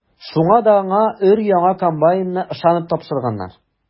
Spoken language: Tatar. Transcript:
Шуңа да аңа өр-яңа комбайн ышанып тапшырганнар.